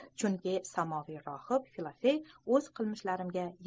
chunki samoviy rohib filofey o'z qilmishlarimga